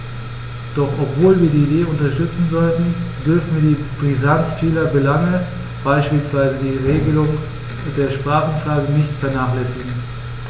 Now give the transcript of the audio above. Doch obwohl wir die Idee unterstützen sollten, dürfen wir die Brisanz vieler Belange, beispielsweise die Regelung der Sprachenfrage, nicht vernachlässigen.